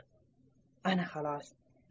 ana xalos